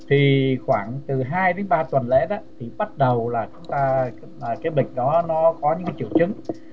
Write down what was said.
thì khoảng từ hai đến ba tuần lễ đó thì bắt đầu là chúng ta cái bệnh đó nó có những cái triệu chứng